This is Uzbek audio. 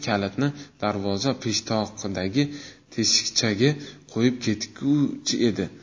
kalitni darvoza peshtoqidagi teshikchaga qo'yib ketguvchi edi